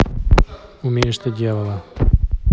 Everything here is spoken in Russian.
умеешь ты дьявола